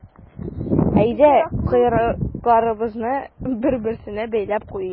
Әйдә, койрыкларыбызны бер-берсенә бәйләп куйыйк.